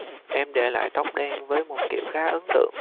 em để lại tóc đen với một kiểu khá ấn tượng